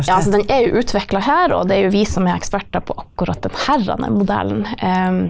ja altså den er jo utvikla her og det er jo vi som er eksperter på akkurat den herre modellen .